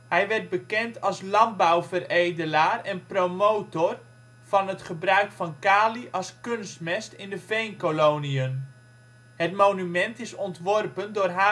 Hij werd bekend als landbouwveredelaar en promotor van het gebruik van kali als kunstmest in de Veenkoloniën. Het monument is ontworpen door H.W.